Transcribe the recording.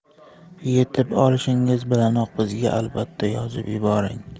yetib olishingiz bilanoq bizga albatta yozib yuboring